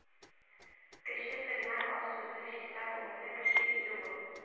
Кеч тыйнак, аз сүзле, чиста күңелле кеше иде ул